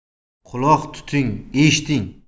quloq tuting eshiting